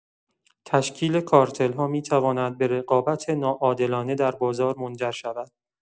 تشکیل کارتل‌ها می‌تواند به رقابت ناعادلانه در بازار منجر شود.